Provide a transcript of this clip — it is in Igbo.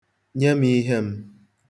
Nye m ihe m.